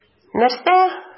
Нәрсә?!